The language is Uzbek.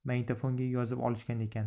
magnitofonga yozib olishgan ekan